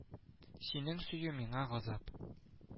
Синең сөю мина газап